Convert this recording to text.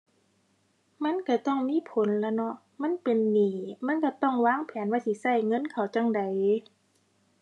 มันก็ต้องมีผลล่ะเนาะ มันเป็นหนี้ มันก็ต้องวางแผนว่าสิก็เงินเขาจั่งใด